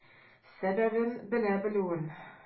Сәбәбен белә белүен.